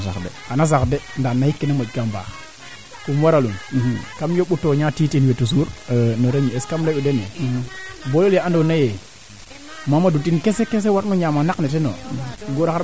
jamano fene i ndef na moom ndak ne tane u mbuuƴ ne mbuuƴ ne meete jeg taa sens rek maa foofi manquer na ndaa foof le maya nga o duufa ngaan kaaf ka neexa yo deɓa deɓa ŋaaf moom kaa yoobo neexa